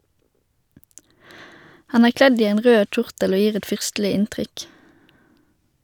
Han er kledd i en rød kjortel og gir et fyrstelig inntrykk.